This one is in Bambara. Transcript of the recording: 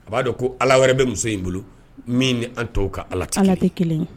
A b'a dɔn ko Ala wɛrɛ be muso in bolo min ni an' tɔw ka Ala te 1 ye